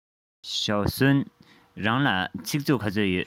ཞའོ སུའུ རང ལ ཚིག མཛོད ག ཚོད ཡོད